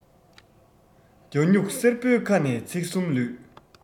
རྒྱ སྨྱུག གསེར པོའི ཁ ནས ཚིག གསུམ ལུས